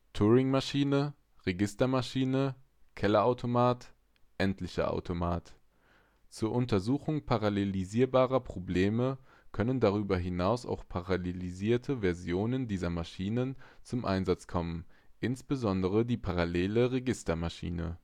Turingmaschine Registermaschine Kellerautomat Endlicher Automat Zur Untersuchung parallelisierbarer Probleme können darüber hinaus auch parallelisierte Versionen dieser Maschinen zum Einsatz kommen, insbesondere die parallele Registermaschine